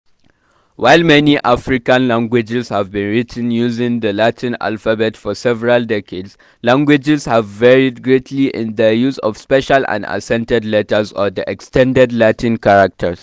While many African languages have been written using the Latin alphabet for several decades, languages have varied greatly in their use of special and accented letters, or the “extended” Latin characters.